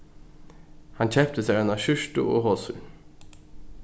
hann keypti sær eina skjúrtu og hosur